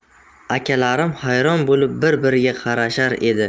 akalarim hayron bo'lib bir biriga qarashar edi